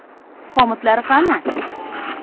xomutlari qani